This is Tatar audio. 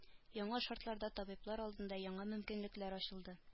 Яңа шартларда табиблар алдында яңа мөмкинлекләр ачылды